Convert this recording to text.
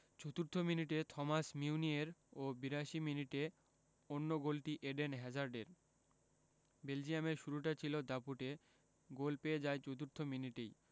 চতুর্থ মিনিটে Thomas Meunier ও ৮২ মিনিটে অন্য গোলটি এডেন হ্যাজার্ডের বেলজিয়ামের শুরুটা ছিল দাপুটে গোল পেয়ে যায় চতুর্থ মিনিটেই